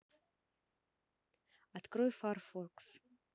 открой файрфокс